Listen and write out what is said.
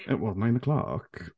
At what? Nine o' clock?